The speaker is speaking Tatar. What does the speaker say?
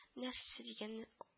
Нәфсе дигәнне